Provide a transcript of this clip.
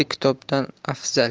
yetti kitobdan afzal